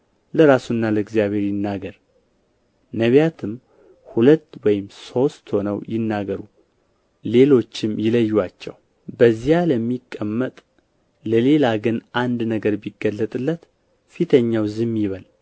ለራሱና ለእግዚአብሔር ይናገር ነቢያትም ሁለት ወይም ሦስት ሆነው ይናገሩ ሌሎችም ይለዩአቸው በዚያ ለሚቀመጥ ለሌላ ግን አንድ ነገር ቢገለጥለት ፊተኛው ዝም ይበል